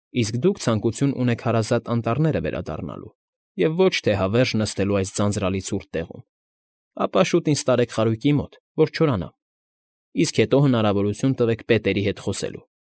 Եթե դուք ցանկություն ունեք հարազատ անտառները վերադառնալու և ոչ թե հավերժ նստելու այս ձանձրալի ցուրտ տեղում, ապա շուտ ինձ տարեք խարույկի մոտ, որ չորանամ, իսկ հետո հնարավորություն տվեք պետերի հետ խոսելու։